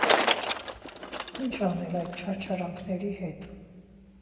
Ի՞նչ անել այդ չարչարանքների հետ։